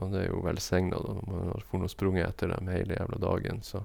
Og det er jo velsigna, da, når man har for nå og sprunget etter dem heile jævla dagen, så...